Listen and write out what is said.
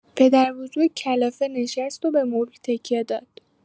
پدربزرگ کلافه نشست و به مبل تکیه داد.